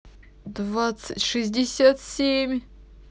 двадцать шестьдесят семь